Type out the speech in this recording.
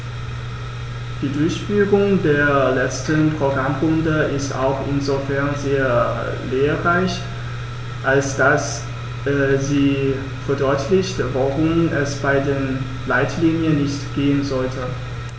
Die Durchführung der letzten Programmrunde ist auch insofern sehr lehrreich, als dass sie verdeutlicht, worum es bei den Leitlinien nicht gehen sollte.